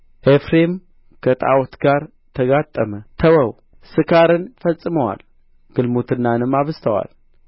ኤፍሬም ከጣዖታት ጋር ተጋጠመ ተወው ስካርን ፈጽመዋል ግልሙትናንም አብዝተዋል